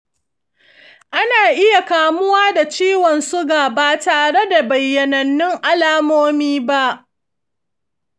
a na iya kamuwa da ciwon suga ba tare da bayyanannun alamomi ba.